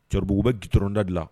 Cɔrbugu bɛ goutron da de la.